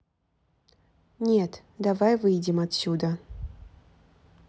нет давай выйдем отсюда